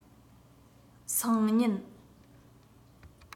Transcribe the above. སང ཉིན